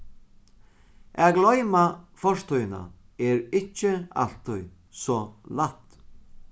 at gloyma fortíðina er ikki altíð so lætt